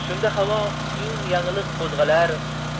shunda havo quyun yanglig' qo'zg'alar